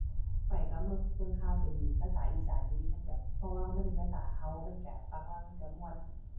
ข้อยก็มักเบิ่งข่าวเป็นภาษาอีสานอยู่เดะ มันก็ เพราะว่าห่ามันเป็นภาษาก็ มันก็ฟังแล้วมันก็ม่วน